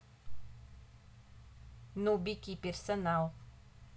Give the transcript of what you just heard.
нубики персонал